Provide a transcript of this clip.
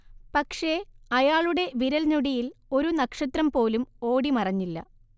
പക്ഷേ, അയാളുടെ വിരൽഞൊടിയിൽ ഒരു നക്ഷത്രംപോലും ഓടിമറഞ്ഞില്ല